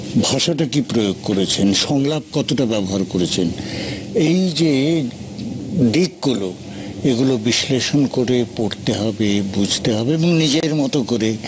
ভাষাটা কি প্রয়োগ করেছেন সংলাপ কতটা ব্যবহার করেছেন এই যে দিকগুলো এগুলো বিশ্লেষণ করে পড়তে হবে বুঝতে হবে এবং নিজের মতন করে